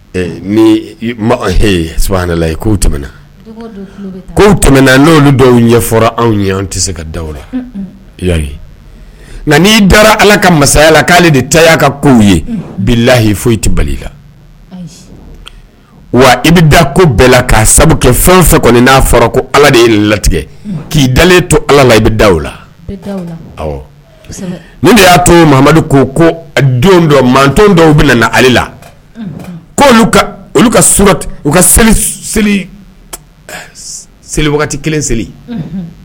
Nila ko tɛmɛna ko tɛmɛna n'olu dɔw ɲɛ fɔra anw ye anw tɛ se ka da la nka' dara ala ka masaya la k'ale de ta' ka kow ye bi layi foyi tɛ bali la wa i bɛ da ko bɛɛ la k'a sabu kɛ fɛn fɛ kɔni n'a fɔra ko ala de ye latigɛ k'i dalen to ala la i bɛ da la ni de y'a tomadu ko ko don dɔ mat dɔw bɛ ale la ko ka seli seli kelen seli